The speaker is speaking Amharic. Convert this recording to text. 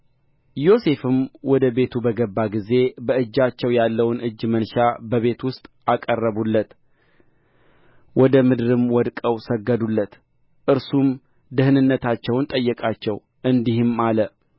ዮሴፍም ወደ ቤቱ በገባ ጊዜ በእጃቸው ያለውን እጅ መንሻ በቤት ውስጥ አቀረቡለት ወደ ምድርም ወድቀው ሰገዱለት እርሱም ደኅንነታቸውን ጠየቃቸው እንዲህም አለ